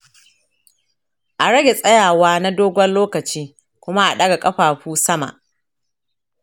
a rage tsayawa na dogon lokaci kuma a ɗaga ƙafafu sama.